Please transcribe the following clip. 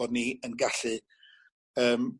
bod ni yn gallu yym